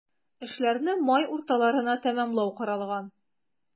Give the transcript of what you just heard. Эшләрне май урталарына тәмамлау каралган.